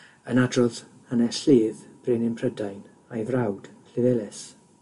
yn adrodd hanes Lludd brenin Prydain a'i frawd Llefelys.